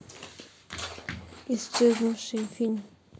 исчезнувшие фильм